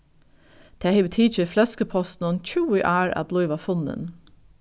tað hevur tikið fløskupostinum tjúgu ár at blíva funnin